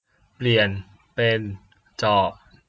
เปลี่ยนเป็นจอบ